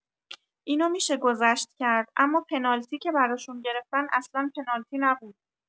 اینو می‌شه گذشت کرد، اما پنالتی که براشون گرفتن اصلا پنالتی نبود!